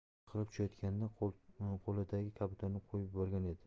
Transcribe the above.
u yiqilib tushayotganda qo'lidagi kabutarni qo'yib yuborgan edi